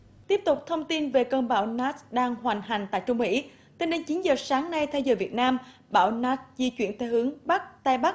tiếp tục thông tin về cơn bão nát đang hoành hành tại trung mỹ tính đến chín giờ sáng nay theo giờ việt nam bão nát di chuyển từ hướng bắc tây bắc